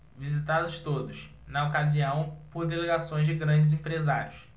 visitados todos na ocasião por delegações de grandes empresários